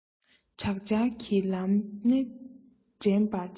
དྲག ཆར གྱི ལམ སྣེ འདྲེན པར བྱེད